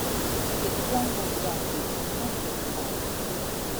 ปิดกล้องวงจรปิดห้องเก็บของ